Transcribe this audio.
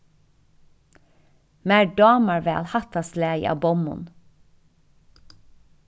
mær dámar væl hatta slagið av bommum